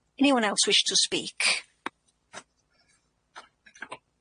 Anyone else wish to speak?